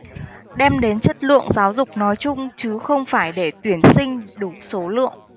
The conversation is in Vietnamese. đem đến chất lượng giáo dục nói chung chứ không phải để tuyển sinh đủ số lượng